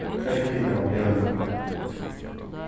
tvey kilo av mjøli